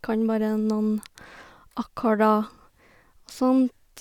Kan bare noen akkorder og sånt.